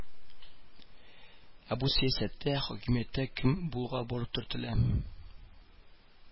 Ә бу сәясәттә, хакимияттә кем булуга барып төртелә